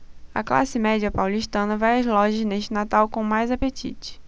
a classe média paulistana vai às lojas neste natal com mais apetite